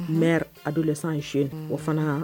Mère adolescent jeune o fana